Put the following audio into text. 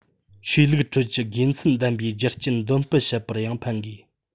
ཆོས ལུགས ཁྲོད ཀྱི དགེ མཚན ལྡན པའི རྒྱུ རྐྱེན འདོན སྤེལ བྱེད པར ཡང ཕན དགོས